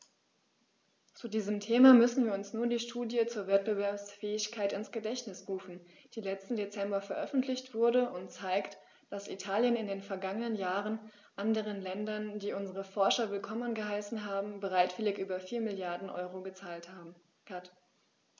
Zu diesem Thema müssen wir uns nur die Studie zur Wettbewerbsfähigkeit ins Gedächtnis rufen, die letzten Dezember veröffentlicht wurde und zeigt, dass Italien in den vergangenen Jahren anderen Ländern, die unsere Forscher willkommen geheißen haben, bereitwillig über 4 Mrd. EUR gezahlt hat.